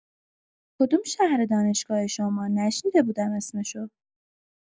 کدوم شهره دانشگاه شما نشنیده بودم اسمشو